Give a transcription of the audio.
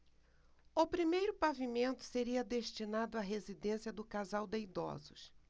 o primeiro pavimento seria destinado à residência do casal de idosos